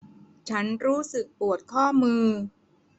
ฉันรู้สึกปวดข้อมือ